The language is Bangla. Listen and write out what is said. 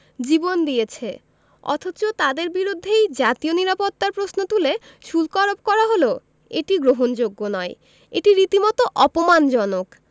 অথচ তাঁদের বিরুদ্ধেই জাতীয় নিরাপত্তার প্রশ্ন তুলে শুল্ক আরোপ করা হলো এটি গ্রহণযোগ্য নয় এটি রীতিমতো অপমানজনক